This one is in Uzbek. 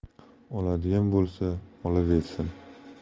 oladigan bo'lsa olaversin